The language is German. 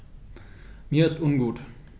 Mir ist ungut.